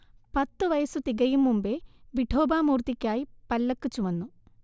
പത്തു വയസ്സു തികയും മുമ്പേ വിഠോബാ മൂർത്തിക്കായി പല്ലക്ക് ചുമന്നു